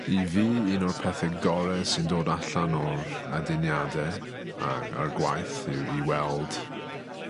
I fi un o'r pethe gore sy'n dod allan o'r aduniade a'r a'r gwaith yw i weld